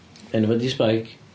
Enw fo 'di Spike